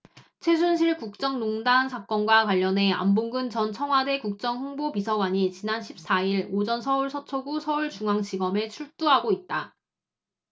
최순실 국정농단 사건과 관련해 안봉근 전 청와대 국정홍보비서관이 지난 십 사 일 오전 서울 서초구 서울중앙지검에 출두하고 있다